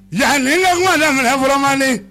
Yanni nin n bɛ kuma daminɛ, fɔlɔ Mali